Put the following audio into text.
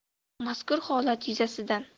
mazkur holat yuzasidan